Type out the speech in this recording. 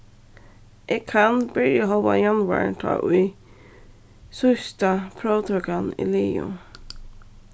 eg kann byrja hálvan januar tá ið síðsta próvtøkan er liðug